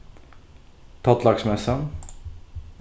tollaksmessan